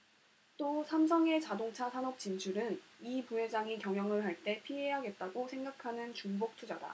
또 삼성의 자동차 산업 진출은 이 부회장이 경영을 할 때 피해야겠다고 생각하는 중복 투자다